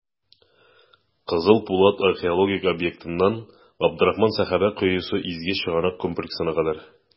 «кызыл пулат» археологик объектыннан "габдрахман сәхабә коесы" изге чыганак комплексына кадәр.